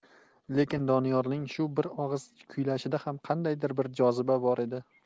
lekin doniyorning shu bir og'iz kuylashida ham qandaydir bir joziba bor edi